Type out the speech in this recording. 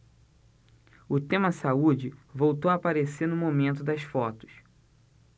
o tema saúde voltou a aparecer no momento das fotos